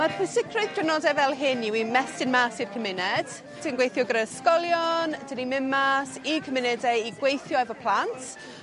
Ma'r pwysicrwydd diwrnode fel hyn yw i mestyn mas i'r cymuned dwi'n gweithio gyda ysgolion 'dyn ni'n mynd mas i cymunede i gweithio efo plant